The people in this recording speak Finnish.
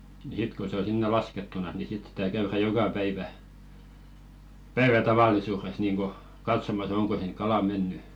niin sitten kun se on sinne laskettuna niin sitten sitä käydään joka päivä päivä tavallisuudessa niin kuin katsomassa onko sinne kala mennyt